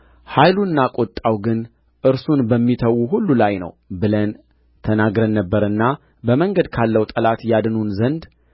ኃይሉና ቍጣው ግን እርሱን በሚተዉ ሁሉ ላይ ነው ብለን ተናግረን ነበርና በመንገድ ካለው ጠላት ያድኑን ዘንድ